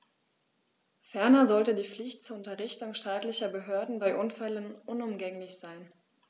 Ferner sollte die Pflicht zur Unterrichtung staatlicher Behörden bei Unfällen unumgänglich sein.